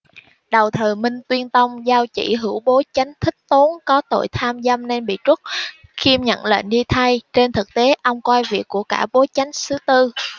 đầu thời minh tuyên tông giao chỉ hữu bố chánh thích tốn có tội tham dâm nên bị truất khiêm nhận lệnh đi thay trên thực tế ông coi việc của cả bố chánh sứ tư